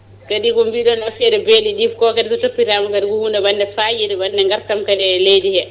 kadi ko mbiɗon affaire beeli ɗi ko kadi so toppitama kadi ko hunde wande fayida wande gartam kadi e leydi he